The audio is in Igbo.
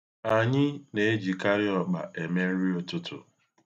Anyị na-ejikarị ọkpa eme nri ụtụtụ.